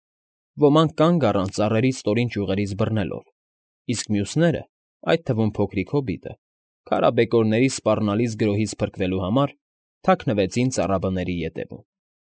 Ոմանք կանգ առան ծառերի ստորին ճյուղերից բռնելով, իսկ մյուսները (այդ թվում փոքրիկ հոբիտը) քարաբեկորների սպառնալից գրոհից փրկվելու համար թաքնվեցին ծառաբների ետևում։